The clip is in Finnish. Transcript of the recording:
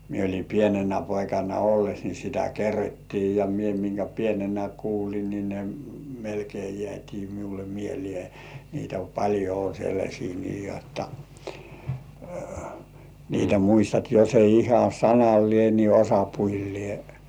minä olin pienenä poikana ollessa niin sitä kerrottiin ja minä minkä pienenä kuuli niin ne melkein jäätiin minulle mieleen niitä paljon on sellaisia niin jotta niitä muistat jos ei ihan sanallinen niin osapuilleen